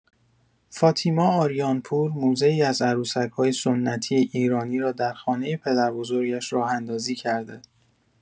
فاطیما آریان‌پور، موزه‌ای از عروسک‌های سنتی ایرانی را در خانه پدربزرگش راه‌اندازی کرده.